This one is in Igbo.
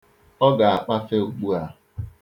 Ọ ga-akpafe ugbua.